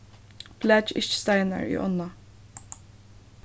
blakið ikki steinar í ánna